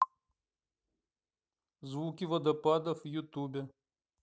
звуки водопадов в ютубе